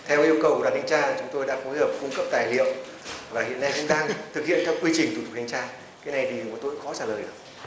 theo yêu cầu là thanh tra chúng tôi đã phối hợp cung cấp tài liệu và hiện nay đang thực hiện theo quy trình của thanh tra cái này thì tôi khó trả lời